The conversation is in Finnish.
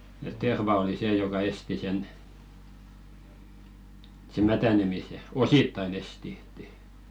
että terva oli se joka esti sen se mätänemisen osittain esti